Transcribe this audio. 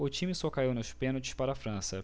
o time só caiu nos pênaltis para a frança